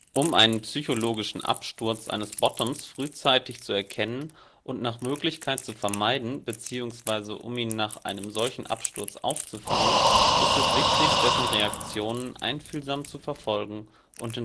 Um einen psychologischen Absturz des Bottoms frühzeitig zu erkennen und nach Möglichkeit zu vermeiden bzw. um ihn nach einem solchen Absturz „ aufzufangen “, ist es wichtig, dessen Reaktionen einfühlsam zu verfolgen und